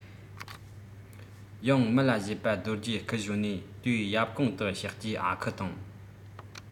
ཡང མི ལ བཞད པ རྡོ རྗེ སྐུ གཞོན ནུའི དུས ཡབ གུང དུ གཤེགས རྗེས ཨ ཁུ དང